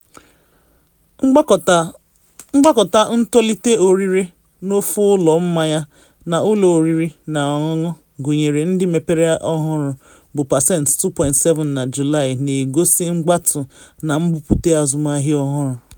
Mgbakọta ntolite ọrịre n’ofe ụlọ mmanya na ụlọ oriri na ọṅụṅụ, gụnyere ndị mepere ọhụrụ, bụ pasentị 2.7 na Julaị, na egosi mgbatu na mbupute azụmahịa ọhụrụ.